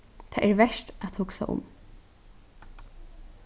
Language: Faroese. tað er vert at hugsa um